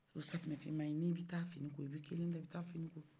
o safinɛ fiman in n'i bɛ taa fini ko i bɛ kelen taa i bɛ taa fini ko